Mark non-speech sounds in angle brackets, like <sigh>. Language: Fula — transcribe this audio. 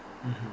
<hesitation> <hesitation>